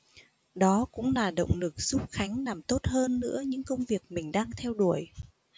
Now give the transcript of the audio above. đó cũng là động lực giúp khánh làm tốt hơn nữa những công việc mình đang theo đuổi